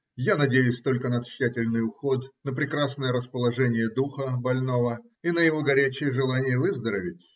Я надеюсь только на тщательный уход, на прекрасное расположение духа больного и на его горячее желание выздороветь.